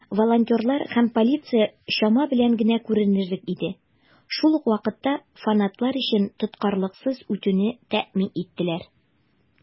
Волонтерлар һәм полиция чама белән генә күренерлек иде, шул ук вакытта фанатлар өчен тоткарлыксыз үтүне тәэмин иттеләр.